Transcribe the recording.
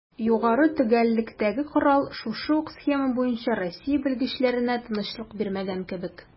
Югары төгәллектәге корал шушы ук схема буенча Россия белгечләренә тынычлык бирмәгән кебек: